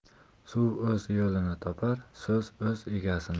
suv o'z yo'lini topar so'z o'z egasini